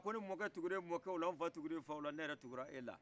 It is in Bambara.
ko ne mɔkɛ tugura e mɔkɛw la ne fa tugura e faw la ne yɛrɛ tugu la e la